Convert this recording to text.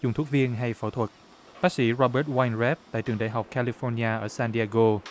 dùng thuốc viên hay phẫu thuật bác sĩ rô bớt oanh rét tại trường đại học ca li pho ni a ở san đi ê gô